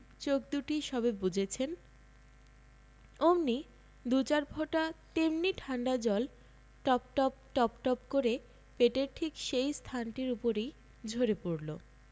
চোখ দুটি সবে বুজেছেন অমনি দু চার ফোঁটা তেমনি ঠাণ্ডা জল টপটপ টপটপ কর পেটের ঠিক সেই স্থানটির উপরই ঝরে পড়ল